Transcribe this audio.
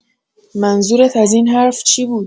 منظورت از این حرف چی بود؟